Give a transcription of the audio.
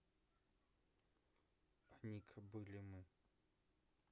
а ника были мы